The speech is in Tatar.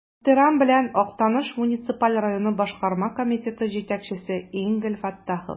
Ихтирам белән, Актаныш муниципаль районы Башкарма комитеты җитәкчесе Энгель Фәттахов.